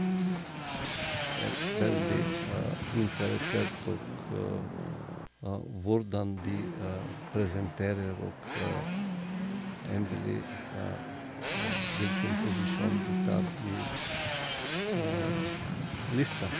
Jeg er veldig interessert òg hvordan de presenterer og endelig hvilken posisjon de tar i lista.